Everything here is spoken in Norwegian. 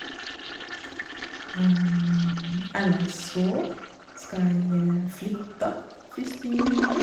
Ellers så skal jeg flytte første juli.